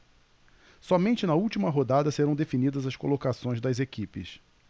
somente na última rodada serão definidas as colocações das equipes